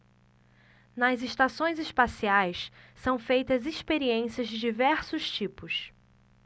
nas estações espaciais são feitas experiências de diversos tipos